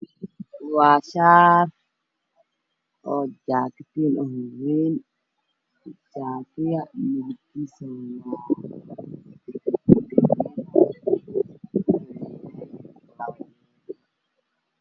Meeshan waxaa ii muuqda shaarka midabkiisa yahay madoobe waxaa wasaaran yahay miis cadaan dhulka waa cadaan